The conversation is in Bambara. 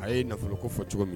A y ye nafolo ko fɔ cogo min